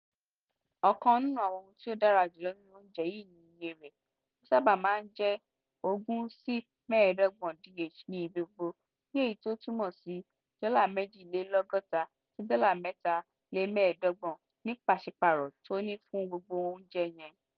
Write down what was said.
Ọ̀kan nínú àwọn ohun tí o dára jùlọ nínú oúnjẹ yìí ni iye rẹ̀, ó sábà máa ń jẹ́ 20-25 DH ní ibi gbogbo ni èyí tí ó ń túmọ̀ sí $2.60-3.25 ní pàsípààrọ̀ tòní fún gbogbo oúnjẹ yẹn.